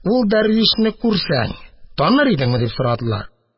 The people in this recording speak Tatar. Әгәр ул дәрвишне күрсәң таныр идеңме? – дип сорадылар.